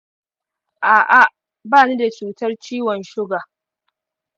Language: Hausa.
a'a, ba ni da cutar ciwon shuga